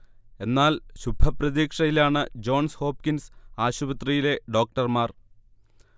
എന്നാൽ, ശുഭപ്രതീക്ഷയിലാണ് Johns Hopkins ആശുപത്രിയിലെ ഡോക്ടർമാർ